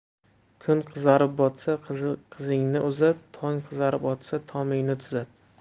kun qizarib botsa qizingni uzat tong qizarib otsa tomingni tuzat